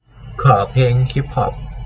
ขอเพลงฮิปฮอป